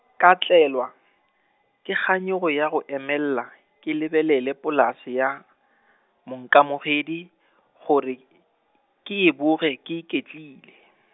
ka tlelwa, ke kganyogo ya go emela ke lebelele polase ya , monkamogedi, gore , ke e boge ke iketlile.